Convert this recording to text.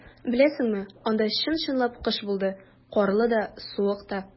Беләсеңме, анда чын-чынлап кыш булды - карлы да, суык та.